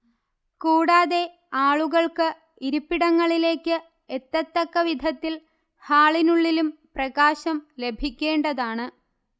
കൂടാതെ ആളുകൾക്ക് ഇരിപ്പിടങ്ങളിലേക്ക് എത്തത്തക്കവിധത്തിൽ ഹാളിനുള്ളിലും പ്രകാശം ലഭിക്കേണ്ടതാണ്